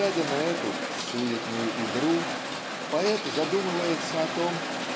глядя на эту "суетную игру" поэт задумывается о том